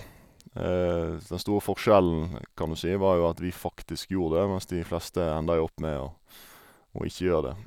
S Den store forskjellen, kan du si, var jo at vi faktisk gjorde det, mens de fleste ender jo opp med å å ikke gjøre det.